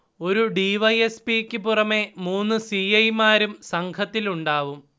ഒരു D. Y. S. പിക്കു പുറമെ മൂന്ന് സി. ഐ. മാരും സംഘത്തിലുണ്ടാവും